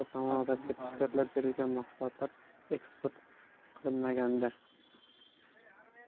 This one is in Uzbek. ruxsatnoma va sertifikatlar berilgan mahsulotlar eksport qilinmaganda